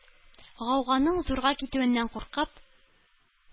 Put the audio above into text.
Гауганың зурга китүеннән куркып,